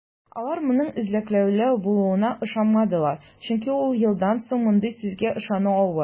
Алар моның эзәрлекләү булуына ышанмадылар, чөнки ун елдан соң мондый сүзгә ышану авыр.